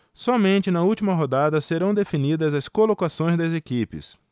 somente na última rodada serão definidas as colocações das equipes